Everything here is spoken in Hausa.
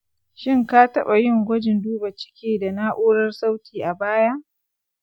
shin ka taba yin gwajin duba ciki da na'urar sauti a baya?